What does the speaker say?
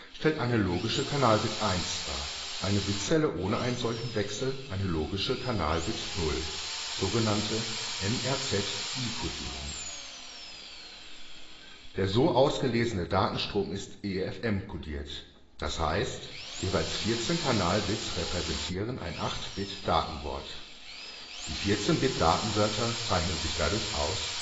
stellt eine logische Kanalbit-Eins dar, eine Bitzelle ohne einen solchen Wechsel eine logische Kanalbit-Null (NRZ-I-Codierung). Datei:CD-Laser.JPG Lesekopf eines CD-Laufwerks Der so ausgelesene Datenstrom ist EFM-codiert (engl. Eight-to-Fourteen-Modulation EFM), das heißt jeweils 14 Kanalbits repräsentieren ein 8-Bit-Datenwort. Die 14-Bit-Datenwörter zeichnen sich dadurch aus